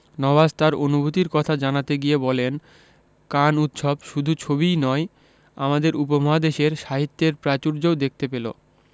নওয়াজ তার অনুভূতির কথা জানাতে গিয়ে বলেন কান উৎসব শুধু ছবিই নয় আমাদের উপমহাদেশের সাহিত্যের প্রাচুর্যও দেখতে পেল